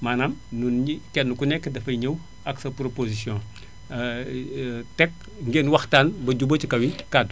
maanaam ñ ni kenn ku nekk dafay ñëw ak sa proposition teg ngeen waxtaan ba jubóo ci kaw i kàddu